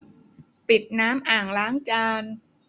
ปิดน้ำอ่างล้างจาน